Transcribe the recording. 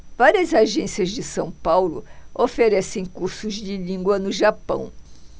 várias agências de são paulo oferecem cursos de língua no japão